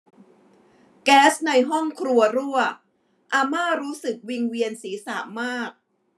แก๊สในห้องครัวรั่วอาม่ารู้สึกวิงเวียนศีรษะมาก